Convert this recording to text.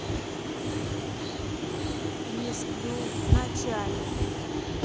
не сплю ночами